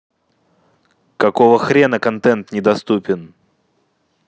какого хрена контент недоступен